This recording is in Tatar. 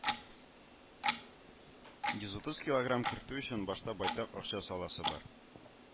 Йөз утыз килограмм кертү өчен башта байтак акча саласы бар